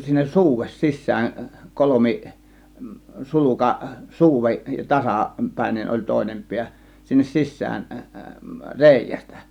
sinne suude sisään - kolmisulka suude - tasapäinen oli toinen pää sinne sisään reiästä